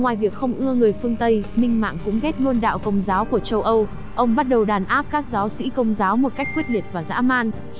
ngoài việc không ưa người phương tây minh mạng cũng ghét luôn đạo công giáo của châu âu ông bắt đầu đàn áp các giáo sĩ công giáo cách quyết liệt và dã man